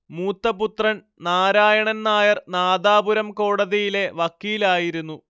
മൂത്ത പുത്രൻ നാരായണൻ നായർ നാദാപുരം കോടതിയിലെ വക്കീലായിരുന്നു